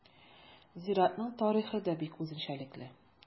Зиратның тарихы да бик үзенчәлекле.